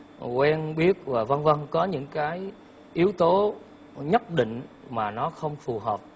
quen biết và vân vân có những cái yếu tố nhất định mà nó không phù hợp